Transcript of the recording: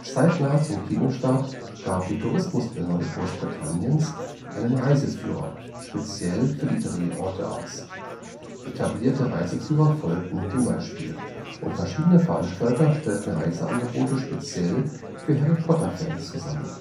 Zeitnah zum Kinostart gab die Tourismusbehörde Großbritanniens einen Reiseführer speziell für die Drehorte heraus, etablierte Reiseführer folgten dem Beispiel, und verschiedene Veranstalter stellten Reiseangebote speziell für Harry-Potter-Fans zusammen